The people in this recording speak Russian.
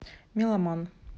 меломан